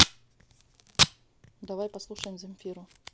давай послушаем земфиру